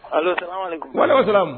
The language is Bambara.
Bakari siran